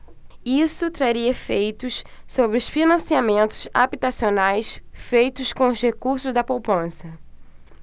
isso traria efeitos sobre os financiamentos habitacionais feitos com recursos da poupança